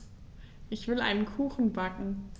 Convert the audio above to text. Ich will einen Kuchen backen.